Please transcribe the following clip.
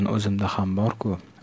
o'zimda ham bor ku